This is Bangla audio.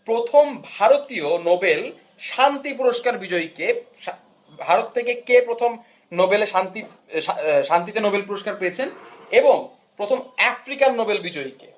প্রথম ভারতীয় নোবেল শান্তি পুরস্কার বিজয়ী কে ভারত থেকে কে প্রথম নোবেল শান্তি শান্তিতে নোবেল পুরস্কার পেয়েছেন প্রথম আফ্রিকান নোবেল বিজয়ী কে